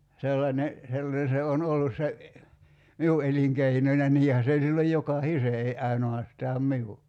sellainen sellainen se on ollut se minun elinkeinoni ja niinhän se oli silloin jokaisen ei ainoastaan minun